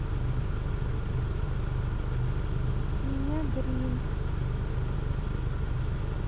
у меня green